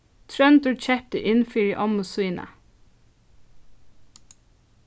tróndur keypti inn fyri ommu sína